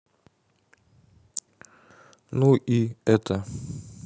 ну и это